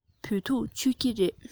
བོད ཐུག མཆོད ཀྱི རེད